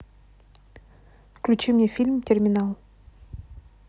включи мне фильм терминал